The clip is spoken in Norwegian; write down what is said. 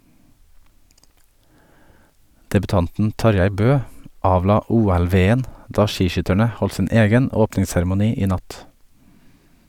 Debutanten Tarjei Bø avla "OL-veden" da skiskytterne holdt sin egen åpningsseremoni i natt.